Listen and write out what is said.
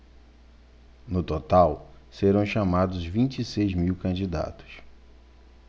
no total serão chamados vinte e seis mil candidatos